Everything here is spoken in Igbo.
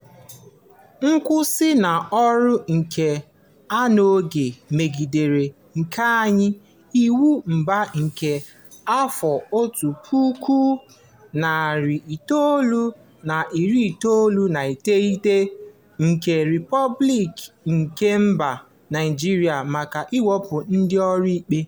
Nkwụsị n'ọru nke Onnoghen megidere nkenye Iwu Mba nke 1999 nke Rịpọbliiki Kemba Naịjirịa maka iwepụ ndị ọrụ ikpe.